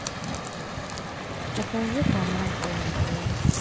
покажи канал тнт